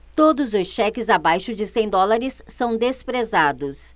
todos os cheques abaixo de cem dólares são desprezados